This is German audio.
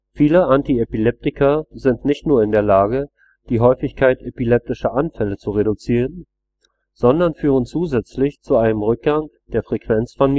Viele Antiepileptika sind nicht nur in der Lage die Häufigkeit epileptischer Anfälle zu reduzieren, sondern führen zusätzlich zu einem Rückgang der Frequenz von